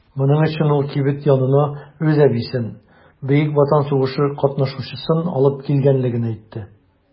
Моның өчен ул кибет янына үз әбисен - Бөек Ватан сугышы катнашучысын алып килгәнлеген әйтте.